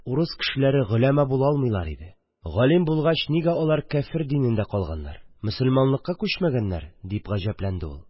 Урыс кешеләре голәма була алмыйлар иде. «галим булгач, нигә алар кяфер динендә калганнар, мосылманлыкка күчмәгәннәр?..» – дип гаҗәпләнде ул.